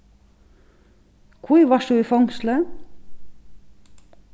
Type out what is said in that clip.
hví vart tú í fongsli